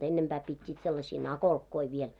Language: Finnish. ennempää pitivät sellaisia nakolkkoja vielä